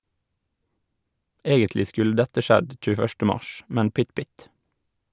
Egentlig skulle dette skjedd 21. mars, men pytt pytt.